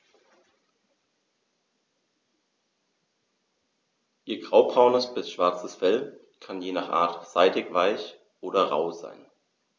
Ihr graubraunes bis schwarzes Fell kann je nach Art seidig-weich oder rau sein.